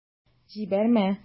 Җибәрмә...